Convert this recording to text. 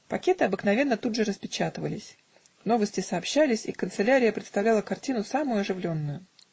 Пакеты обыкновенно тут же распечатывались, новости сообщались, и канцелярия представляла картину самую оживленную.